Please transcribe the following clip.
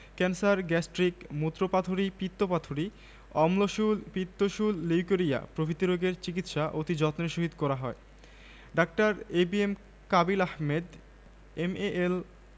ভেড়াটার উপর কোন হামলা না চালিয়ে বরং কিছু যুক্তি তক্ক দিয়ে সেটাকে বুঝিয়ে দেওয়া যাক যে ভেড়াটাকে খাওয়ার ব্যাপারটা নেকড়ের হক এর মধ্যেই পড়ে সে ভেড়াটাকে বলল এই যে মশাই